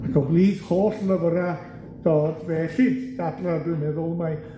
Ac o blith holl lyfyrach Dodd fe ellid dadla dwi'n meddwl, mae